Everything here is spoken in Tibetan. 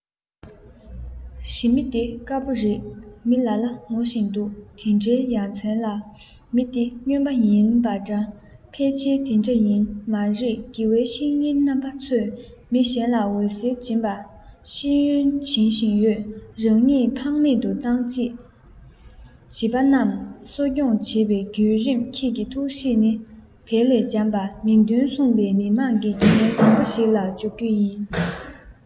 ཞི མི དེ དཀར པོ རེད མི ལ ལ ངུ བཞིན འདུག དེ འདྲའི ཡ མཚན ལ མི དེ སྨྱོན པ ཡིན པ འདྲ ཕལ ཆེན དེ འདྲ ཡིན མ རེད དགེ བའི བཤེས གཉེན རྣམ པ ཚོས མི གཞན ལ འོད ཟེར སྦྱིན པ ཤེས ཡོན སྦྱིན བཞིན ཡོད རང ཉིད ཕངས མེད དུ བཏང བྱིས པ རྣམས གསོ སྐྱོང བྱེད པའི བརྒྱུད རིམ ཁྱེད ཀྱི ཐུགས གཤིས ནི བལ ལས འཇམ པ མིང དོན མཚུངས པའི མི དམངས ཀྱི དགེ རྒན བཟང པོ ཞིག སེམས ལ འཇོག རྒྱུ ཡིན